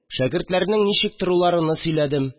Шәкертләрнең ничек торуларыны сөйләдем